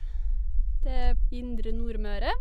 Det er indre Nordmøre.